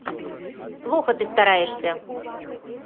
плохо ты стараешься